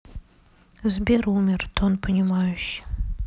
сбер умер тон понимающий